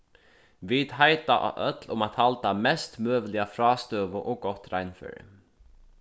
vit heita á øll um at halda mest møguliga frástøðu og gott reinføri